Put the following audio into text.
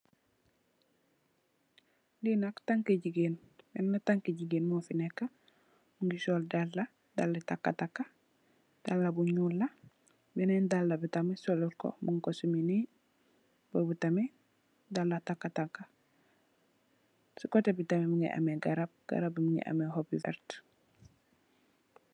Li nak tanki gigain bena tanki gigain mofi neka Mungi sol daala daali taka taka daala bu nyuul la benen daala bi tamit solut ko mungko seemi ni bobo tamit daala taka taka sey koteh bi tamit Mungi ameh garab ,garab bi Mungi ameh hopp bu verteh.